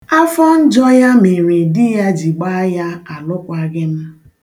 Afọ njọ ya mere di ya ji gbaa ya alụkwaghịm.